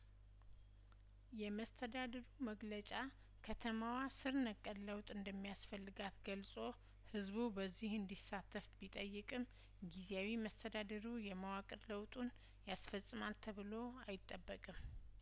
የመስተዳድሩ መግለጫ ከተማዋ ስርነቀል ለውጥ እንደሚያስፈልጋት ገልጾ ህዝቡ በዚህ እንዲሳተፍ ቢጠይቅም ጊዜያዊ መስተዳድሩ የመዋቅር ለውጡን ያስፈጽማል ተብሎ አይጠበቅም